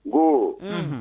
N ko, unun.